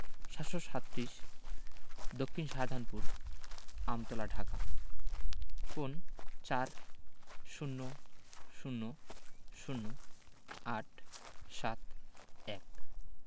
৭৩৭ দক্ষিন শাহজাহানপুর আমতলা ঢাকা ফোন ৪০০০৮৭১